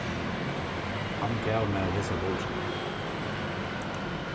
hann gav mær hesa bókina